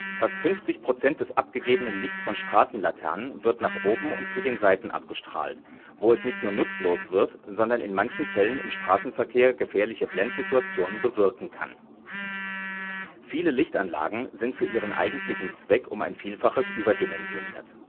Fast 50 % des abgegebenen Lichts von Straßenlaternen wird nach oben und zu den Seiten abgestrahlt, wo es nicht nur nutzlos wird, sondern in manchen Fällen im Straßenverkehr gefährliche Blendsituationen bewirken kann. Viele Lichtanlagen sind für ihren eigentlichen Zweck um ein Vielfaches überdimensioniert